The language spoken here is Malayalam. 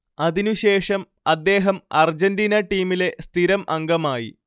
അതിനു ശേഷം അദ്ദേഹം അർജന്റീന ടീമിലെ സ്ഥിരം അംഗമായി